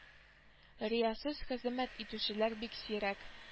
Риясыз хезмәт итүчеләр бик сирәк